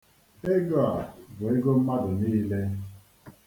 Ego a bụ ego mmadụ niile.